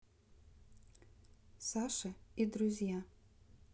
саша и друзья